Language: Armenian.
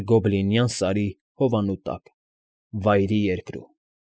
Էր գոբլինյան սարի հովանու տակ, Վայրի Երկրում։